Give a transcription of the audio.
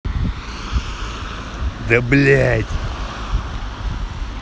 да блядь